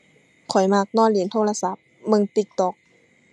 ข้อยมักนอนเล่นโทรศัพท์ เบิ่ง TikTok